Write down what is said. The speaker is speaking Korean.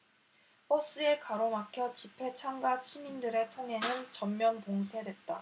버스에 가로막혀 집회 참가 시민들의 통행은 전면 봉쇄됐다